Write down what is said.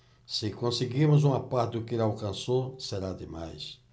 se conseguirmos uma parte do que ele alcançou será demais